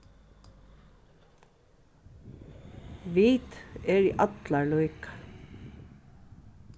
vit eru allar líka